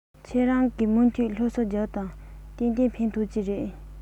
ཁྱེད རང གིས མུ མཐུད སློབ གསོ རྒྱོབས དང གཏན གཏན ཕན ཐོགས ཀྱི རེད